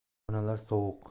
xonalar sovuq